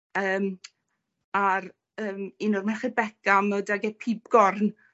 yym ar yym un o'r Merched Beca a ma' 'dag e pibgorn